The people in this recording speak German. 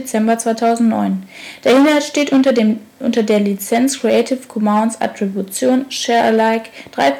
Der Inhalt steht unter der Lizenz Creative Commons Attribution Share Alike 3